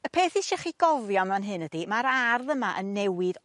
Y peth fi isie chi gofio ym man hyn ydi ma'r ardd yma yn newid